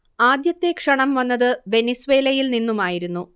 ആദ്യത്തെ ക്ഷണം വന്നത് വെനിസ്വേലയിൽ നിന്നുമായിരുന്നു